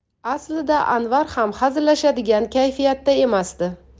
aslida anvar ham hazillashadigan kayfiyatda emasdi